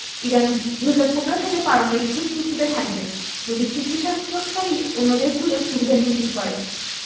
Iran ২০১৫ সালের পারমাণবিক চুক্তিতে থাকবে যদি চুক্তি স্বাক্ষরকারী অন্য দেশগুলো সুবিধা নিশ্চিত করে